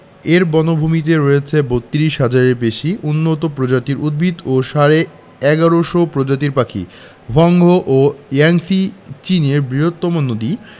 এর বনভূমিতে রয়েছে ৩২ হাজারেরও বেশি উন্নত প্রজাতির উদ্ভিত ও সাড়ে ১১শ প্রজাতির পাখি হোয়াংহো ও ইয়াংসি চীনের বৃহত্তম নদী